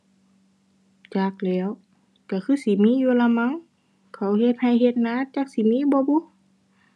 จักแหล้ว ก็คือสิมีอยู่ล่ะมั้ง เขาเฮ็ดก็เฮ็ดนา จักสิมีบ่บุ